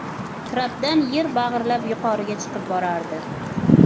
trapdan yer bag'irlab yuqoriga chiqib borardi